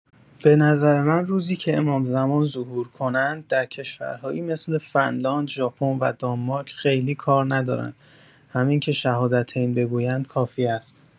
به نظر من روزی که امام زمان ظهور کنند در کشورهایی مثل فنلاند، ژاپن و دانمارک خیلی کار ندارند، همین که شهادتین بگویند کافی است.